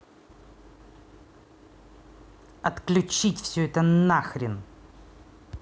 отключить все это нахрен